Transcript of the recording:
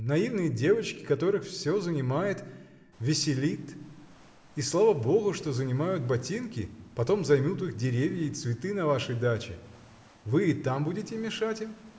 Наивные девочки, которых все занимает, веселит, и слава Богу, что занимают ботинки, потом займут их деревья и цветы на вашей даче. Вы и там будете мешать им?